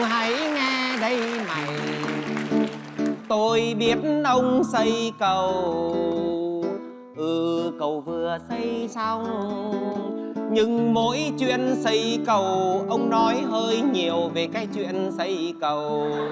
hãy nghe đây này tôi biết ông xây cầu ừ cầu vừa xây xong nhưng mỗi chuyện xây cầu ông nói hơi nhiều về cái chuyện xây cầu